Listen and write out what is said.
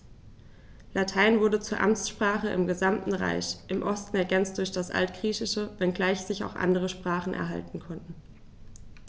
Latein wurde zur Amtssprache im gesamten Reich (im Osten ergänzt durch das Altgriechische), wenngleich sich auch andere Sprachen halten konnten.